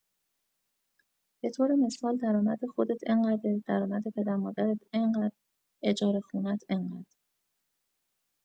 به‌طور مثال درآمد خودت انقده، درآمد پدر مادرت انقد، اجاره خونه‌ت انقد